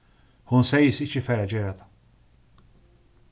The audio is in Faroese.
hon segði seg ikki fara at gera tað